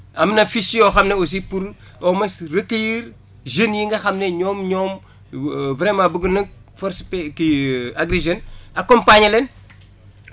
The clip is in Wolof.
am na fiche yoo xam ne aussi pour au moins recueillir jeunes yi nga xam ne ñoom ñoom vraiment bëgg nag force kii Agri Jeunes accompagné leen